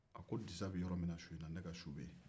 a ko disa bɛ yɔrɔ minna su in na ne ka su bɛ yen